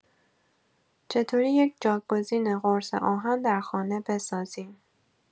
چطوری یک جایگزین قرص آهن، در خانه بسازیم؟